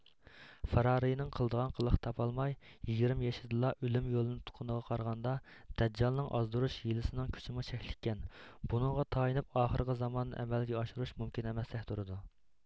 فىرارينىڭ قىلدىغان قىلىق تاپالماي يىگىرمە يېشىدىلا ئۆلۈم يولنى تۇتقىنىغا قارىغاندا دەججالنىڭ ئازدۇرۇش ھىيلىسىنىڭ كۈچىمۇ چەكلىككەن بۇنىڭغا تايىنىپ ئاخىرقى زاماننى ئەمەلگە ئاشۇرۇش مۇمكىن ئەمەستەك تۇرىدۇ